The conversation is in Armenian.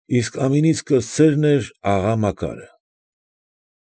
Իսկ ամենից կրտսերն էր աղա Մակարը։